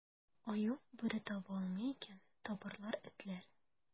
Аю, бүре таба алмый икән, табарлар этләр.